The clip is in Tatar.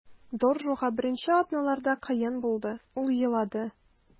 Доржуга беренче атналарда кыен булды, ул елады.